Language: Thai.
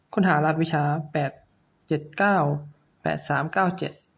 ค้นหารหัสวิชาแปดเจ็ดเก้าแปดสามเก้าเจ็ด